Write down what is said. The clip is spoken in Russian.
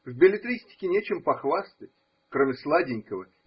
В беллетристике нечем похвастать, кроме сладенького.